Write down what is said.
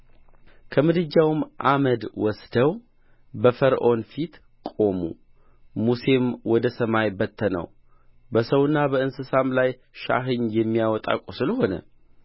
ከምድጃውም አመድ ወስደው በፈርዖን ፊት ቆሙ ሙሴም ወደ ሰማይ በተነው በሰውና በእንስሳም ላይ ሻህኝ የሚያወጣ ቍስል ሆነ